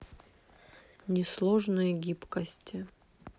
несложные гибкости